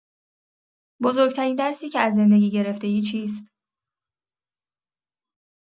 بزرگ‌ترین درسی که از زندگی گرفته‌ای چیست؟